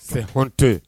Se hɔn tɛ